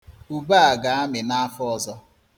Ube a ga-amị n'afọ ọzọ.